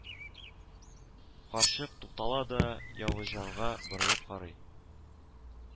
Карчык туктала да, явызҗанга борылып карый